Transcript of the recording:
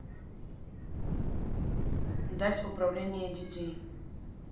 дать управление детей